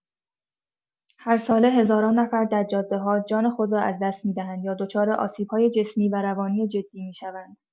هر ساله هزاران نفر در جاده‌ها جان خود را از دست می‌دهند یا دچار آسیب‌های جسمی و روانی جدی می‌شوند.